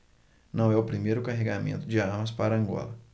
não é o primeiro carregamento de armas para angola